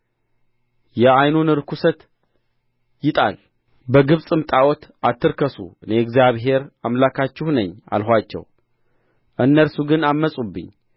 የዓይኑን ርኵሰት ይጣል በግብጽም ጣዖታት አትርከሱ እኔ እግዚአብሔር አምላካችሁ ነኝ አልኋቸው እነርሱ ግን ዐመፁብኝ